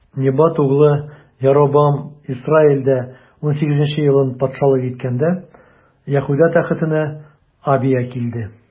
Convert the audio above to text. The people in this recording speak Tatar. Небат углы Яробам Исраилдә унсигезенче елын патшалык иткәндә, Яһүдә тәхетенә Абия килде.